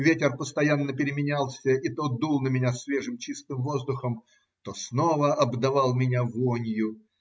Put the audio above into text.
Ветер постоянно переменялся и то дул на меня свежим, чистым воздухом, то снова обдавал меня вонью.